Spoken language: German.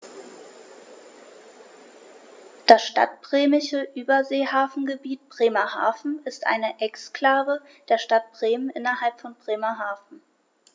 Das Stadtbremische Überseehafengebiet Bremerhaven ist eine Exklave der Stadt Bremen innerhalb von Bremerhaven.